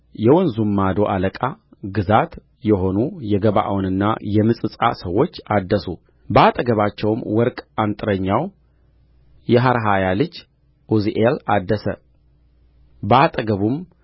የወንዙም ማዶ አለቃ ግዛት የሆኑ የገባዖንና የምጽጳ ሰዎች አደሱ በአጠገባቸውም ወርቅ አንጥረኛው የሐርሃያ ልጅ ዑዝኤል አደሰ በአጠገቡም